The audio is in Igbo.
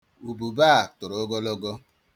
Ubube a toro ogologo.